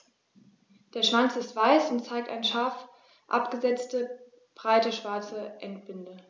Der Schwanz ist weiß und zeigt eine scharf abgesetzte, breite schwarze Endbinde.